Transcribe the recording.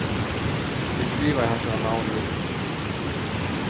eg skrivaði hansara navn niður